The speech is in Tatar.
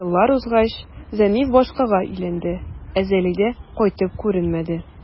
Еллар узгач, Зәниф башкага өйләнде, ә Зәлидә кайтып күренмәде.